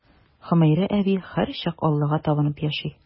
Хөмәйрә әби һәрчак Аллаһыга табынып яши.